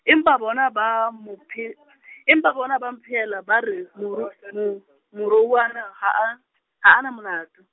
empa bona ba mo phe-, empa bona ba mo phehella ba re moru- mo-, moromuwa ha a, ha a na molato.